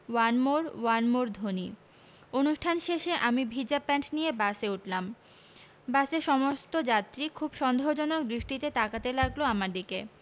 one more one more ধ্বনি অনুষ্ঠান শেষে আমি ভিজা প্যান্ট নিয়ে বাসে উঠলাম বাসের সমস্ত যাত্রী খুব সন্দেহজনক দৃষ্টিতে তাকাতে লাগলো আমার দিকে